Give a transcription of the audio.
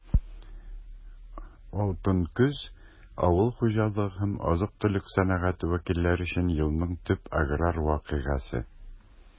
«алтын көз» - авыл хуҗалыгы һәм азык-төлек сәнәгате вәкилләре өчен елның төп аграр вакыйгасы.